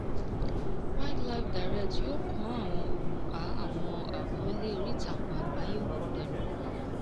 WildlifeDirect yóò kó àwọn olùkà àwọn àkọọ́lẹ̀ oríìtakùn àgbáyé wọn pẹ̀lú.